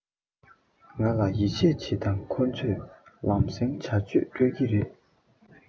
ང ལ ཡིད ཆེས བྱེད དང ཁོ ཚོས ལམ སེང བྱ སྤྱོད སྤེལ གི རེད